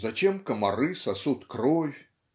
зачем комары сосут кровь?